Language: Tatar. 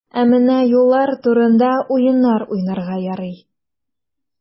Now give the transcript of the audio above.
Ә менә юллар турында уеннар уйнарга ярый.